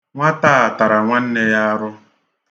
Nwata a tara nwanne ya arụ.